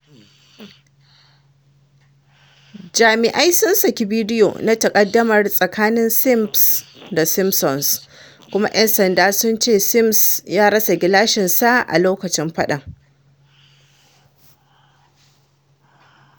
Jami’ai sun saki bidiyo na taƙardamar tsakanin Sims da Simpson, kuma ‘yan sanda sun ce Sims ya rasa gilashinsa a loƙacin faɗan.